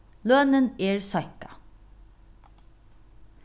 lønin er seinkað